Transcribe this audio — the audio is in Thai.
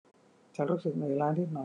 ฉันรู้สึกเหนื่อยล้านิดหน่อย